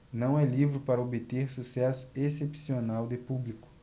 não é livro para obter sucesso excepcional de público